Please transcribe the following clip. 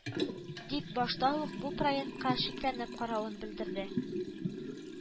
Дип башта ук бу проектка шикләнеп каравын белдерде